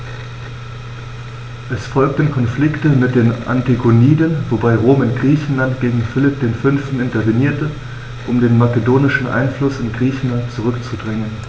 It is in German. Es folgten Konflikte mit den Antigoniden, wobei Rom in Griechenland gegen Philipp V. intervenierte, um den makedonischen Einfluss in Griechenland zurückzudrängen.